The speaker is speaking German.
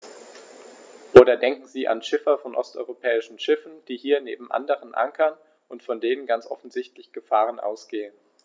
Oder denken Sie an Schiffer von osteuropäischen Schiffen, die hier neben anderen ankern und von denen ganz offensichtlich Gefahren ausgehen.